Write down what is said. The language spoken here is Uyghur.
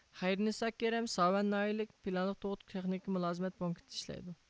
خەيرىنىسا كېرەم ساۋەن ناھىيىلىك پىلانلىق تۇغۇت تېخنىكا مۇلازىمەت پونكىتىدا ئىشلەيدۇ